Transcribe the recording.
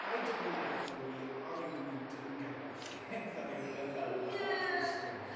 I didn't like how we argued and we didn't get back together neu rhywbeth fel 'na... Ie... That creased me.